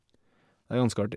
Det er ganske artig.